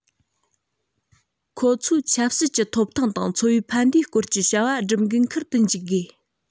ཁོ ཚོའི ཆབ སྲིད ཀྱི ཐོབ ཐང དང འཚོ བའི ཕན བདེའི སྐོར གྱི བྱ བ སྒྲུབ འགན འཁུར དུ འཇུག དགོས